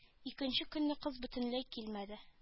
Икенче көнне кыз бөтенләй килмәде